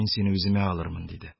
Мин сине үземә алырмын, - диде.